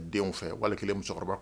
Denw fɛ wali kelen musokɔrɔba